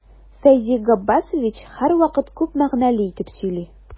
Фәйзи Габбасович һәрвакыт күп мәгънәле итеп сөйли.